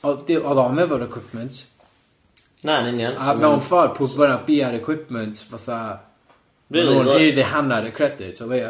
O'd di- o'd o'm efo'r equipment. Na yn union. A mewn ffordd pwy bynnag bia'r equipment fatha. Rili o'dd o'n heuddu hannar y credit o'leia?